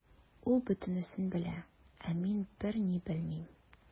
Ул бөтенесен белә, ә мин берни белмим.